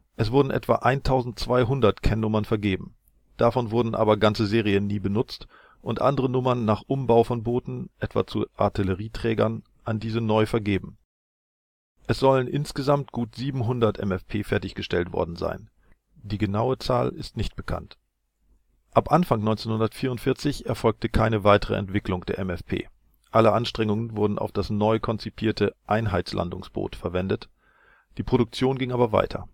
Es wurden etwa 1200 Kennnummern vergeben. Davon wurden aber ganze Serien nie benutzt und andere Nummern nach Umbau von Booten etwa zu Artillerieträgern an diese neu vergeben. Es sollen gut 700 MFP fertiggestellt worden sein. Die genaue Zahl ist nicht bekannt. Ab Anfang 1944 erfolgte keine weitere Entwicklung der MFP. Alle Anstrengungen wurden auf das neu konzipierte Einheitslandungsboot (EL) verwendet, die Produktion ging aber weiter